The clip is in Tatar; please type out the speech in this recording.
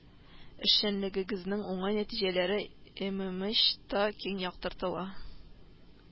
Эшчәнлегегезнең уңай нәтиҗәләре эМэМэЧ да киң яктыртыла